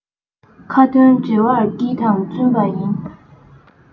ཁ འདོན གྲེ བར བསྐྱིལ དང བཙུན པ ཡིན